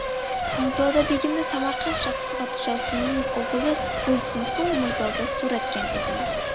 xonzoda begimni samarqand podshosining o'g'li boysunqur mirzoga so'ratgan edilar